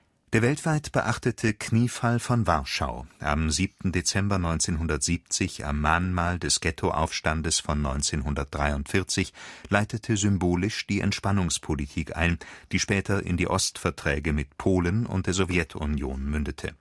weltweit beachtete Kniefall von Warschau am 7. Dezember 1970 am Mahnmal des Ghetto-Aufstandes von 1943 leitete symbolisch die Entspannungspolitik ein, die später in die Ostverträge mit Polen und der Sowjetunion mündete